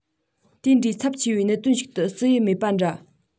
དེ འདྲའི ཚབས ཆེ བའི གནད དོན ཞིག ཏུ བརྩི ཡི མེད པ འདྲ